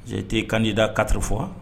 Jeli tɛ kan di da kari fɔ wa